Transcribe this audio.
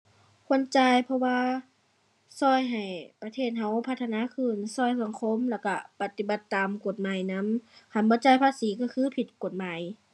ควรจ่าย เพราะว่าช่วยให้ประเทศช่วยพัฒนาขึ้น ช่วยสังคมแล้วช่วย ปฏิบัติตามกฎหมายนำ คันบ่จ่ายภาษีช่วยคือผิดกฎหมาย